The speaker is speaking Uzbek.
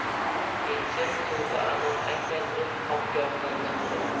elchin so'fi azon aytmay turib xobgohdan chiqdi